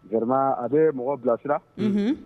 A bɛ mɔgɔ bilasira